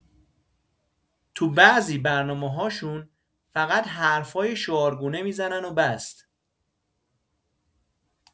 تو بعضی برنامه‌‌هاشون فقط حرفای شعارگونه می‌زنن و بس!